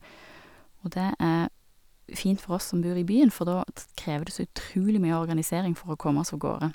Og det er fint for oss som bor i byen, for da t krever det så utrolig mye organisering for å komme oss avgårde.